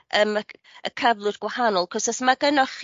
yym y c- y cyflwr gwahanol 'c'os os ma' gynnoch